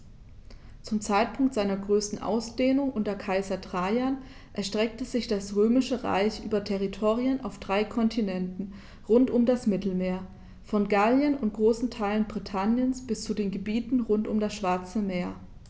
Zum Zeitpunkt seiner größten Ausdehnung unter Kaiser Trajan erstreckte sich das Römische Reich über Territorien auf drei Kontinenten rund um das Mittelmeer: Von Gallien und großen Teilen Britanniens bis zu den Gebieten rund um das Schwarze Meer.